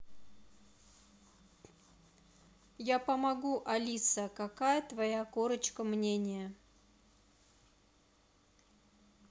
я помогу алиса какая твоя корочка мнения